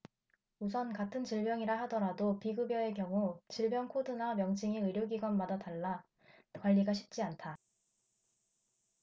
우선 같은 질병이라 하더라도 비급여의 경우 질병 코드나 명칭이 의료기관마다 달라 관리가 쉽지 않다